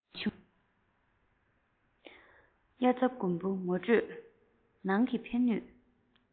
དབྱར རྩྭ དགུན འབུ ངོ སྤྲོད ནང གི ཕན ནུས